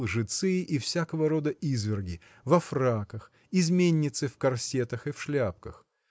лжецы и всякого рода изверги – во фраках изменницы в корсетах и в шляпках.